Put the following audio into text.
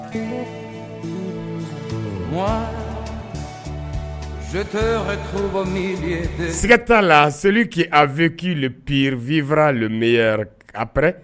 Sika t'a la celui qui a vecu le pure, vivera le meilleur après